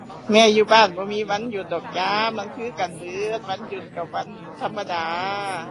แม่อยู่บ้านบ่มีวันหยุดดอกจ้า มันคือกันเบิด วันหยุดก็วันธรรมดา